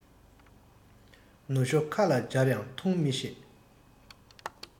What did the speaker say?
ནུ ཞོ ཁ ལ སྦྱར ཡང འཐུང མི ཤེས